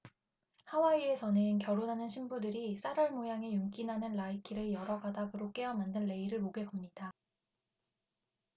하와이에서는 결혼하는 신부들이 쌀알 모양의 윤기 나는 라이키를 여러 가닥으로 꿰어 만든 레이를 목에 겁니다